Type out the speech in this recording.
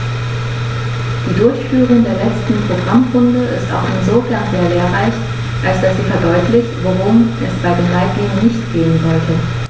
Die Durchführung der letzten Programmrunde ist auch insofern sehr lehrreich, als dass sie verdeutlicht, worum es bei den Leitlinien nicht gehen sollte.